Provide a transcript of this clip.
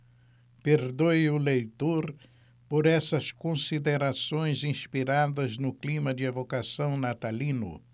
perdoe o leitor por essas considerações inspiradas no clima de evocação natalino